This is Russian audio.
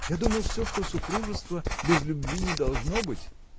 – Я думал все, что супружества без любви не должно быть.